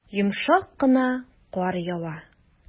Йомшак кына кар ява.